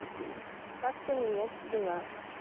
как поменять дела